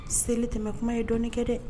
Seli tɛmɛtuma ye dɔɔnin kɛ dɛ